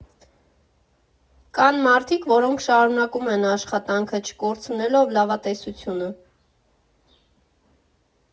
Կան մարդիկ, որոնք շարունակում են աշխատանքը՝ չկորցնելով լավատեսությունը։